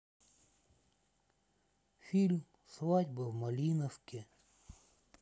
фильм свадьба в малиновке